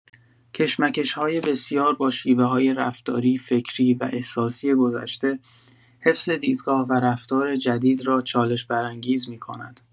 کشمکش‌های بسیار با شیوه‌های رفتاری، فکری و احساسی گذشته، حفظ دیدگاه و رفتار جدید را چالش‌برانگیز می‌کند.